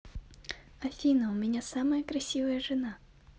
афина у меня самая красивая жена